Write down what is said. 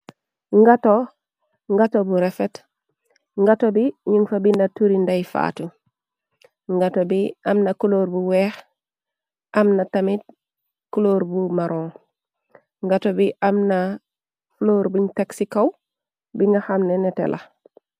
ngato ngato bu refet ngato bi ñun fa binda turi ndey faatu ngato bi am na kulóor bu weex am na tamit culóor bu maron ngato bi am na floor buñ tag ci kaw bi nga xamne nete la